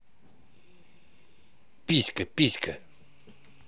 писька писька